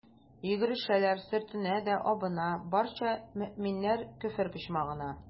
Йөгерешәләр, сөртенә дә абына, барча мөэминнәр «Көфер почмагы»на.